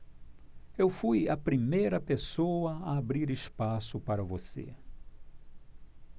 eu fui a primeira pessoa a abrir espaço para você